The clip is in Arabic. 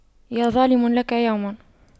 يا ظالم لك يوم